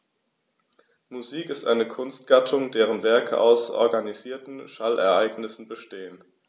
Musik ist eine Kunstgattung, deren Werke aus organisierten Schallereignissen bestehen.